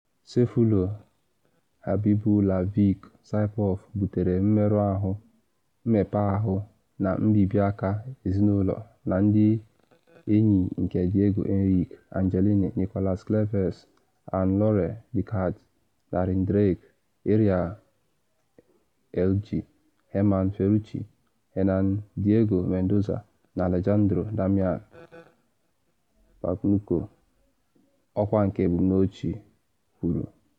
"Sayfullo Habibullaevic Saipov butere mmerụ ahụ, mmekpa ahụ, na mbibi maka ezinụlọ na ndị enyi nke Diego Enrique Angelini, Nicholas Cleves, Ann-Laure Decadt, Darren Drake, Ariel Erlij, Hernan Ferruchi, Hernan Diego Mendoza, na Alejandro Damian Pagnucco," ọkwa nke ebumnuche kwuru.